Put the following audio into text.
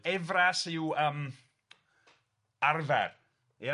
Efras yw yym, arfer, ia?